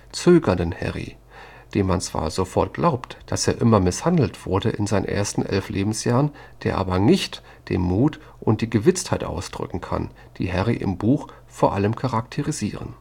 zurückhaltenden, zögernden Harry, dem man zwar sofort glaubt, dass er immer misshandelt wurde in seinen ersten elf Lebensjahren, der aber nicht den Mut und die Gewitztheit ausdrücken kann, die Harry im Buch vor allem charakterisieren